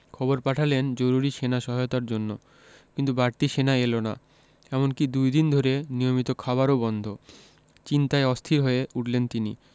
খবর পাঠালেন জরুরি সেনা সহায়তার জন্য কিন্তু বাড়তি সেনা এলো না এমনকি দুই দিন ধরে নিয়মিত খাবারও বন্ধ চিন্তায় অস্থির হয়ে উঠলেন তিনি